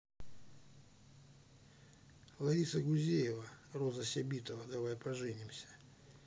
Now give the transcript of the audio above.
лариса гузеева роза сябитова давай поженимся